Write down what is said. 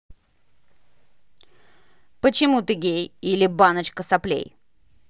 почему ты гей или баночка соплей